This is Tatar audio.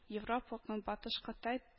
“европа – көнбатыш кытай”